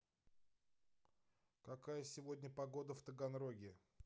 какая сегодня погода в таганроге